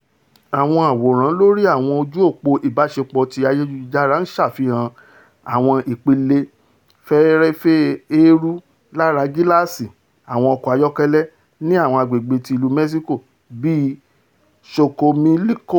Àwọn àwòrán lori àwọn ojú-òpó ìbáṣepọ̀ ti ayélujára ṣàfihàn àwọn ìpele fẹ́rẹfẹ́ éerú lárá gíláàsì àwọn ọkọ̀ ayọ́kẹ́lẹ́ ní àwọn agbègbè̀̀ ti Ìlú Mẹ́ṣíkò bíi Xochimilco.